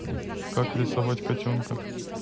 как рисовать котенка